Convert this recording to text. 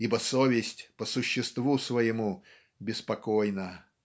Ибо совесть по существу своему беспокойна.